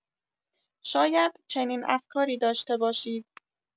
شاید چنین افکاری داشته باشید